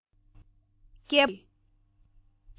རྒད པོ རྨ ར ཅན གྱི